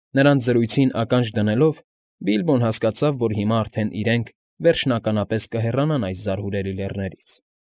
Նրանց զրույցին ականջ դնելով՝ Բիլբոն հասկացավ, որ հիմա արդեն իրենց վերջնականապես կհեռանան այս զարհուրելի լեռներից։